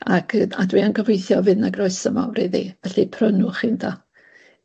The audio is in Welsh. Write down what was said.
ac yy a dwi yn gobeithio fydd 'na groeso mawr iddi, felly prynwch hi'n da.